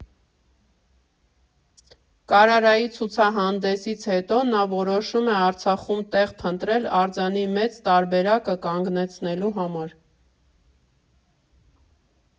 Կարարայի ցուցահանդեսից հետո նա որոշում է Արցախում տեղ փնտրել՝ արձանի մեծ տարբերակը կանգնեցնելու համար։